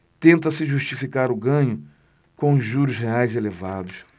tenta-se justificar o ganho com os juros reais elevados